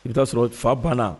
I bɛ sɔrɔ fa banna